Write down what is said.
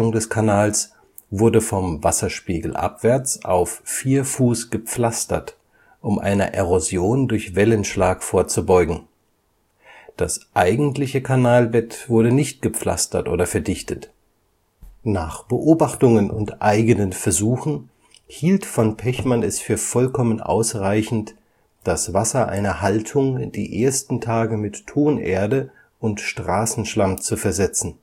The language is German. des Kanals wurde vom Wasserspiegel abwärts auf 4 Fuß gepflastert, um einer Erosion durch Wellenschlag vorzubeugen. Das eigentliche Kanalbett wurde nicht gepflastert oder verdichtet. Nach Beobachtungen und eigenen Versuchen hielt von Pechmann es für vollkommen ausreichend, das Wasser einer Haltung die ersten Tage mit Tonerde und Straßenschlamm zu versetzen